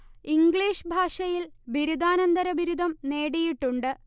English ഭാഷയിൽ ബിരുദാനന്തര ബിരുദം നേടിയിട്ടുണ്ട്